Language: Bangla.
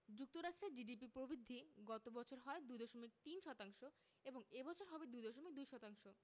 যুক্তরাষ্ট্রের জিডিপি প্রবৃদ্ধি গত বছর হয় ২.৩ শতাংশ এবং এ বছর হবে ২.২ শতাংশ